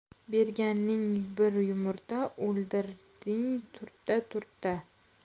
berganing bir yumurta o'ldirding turta turta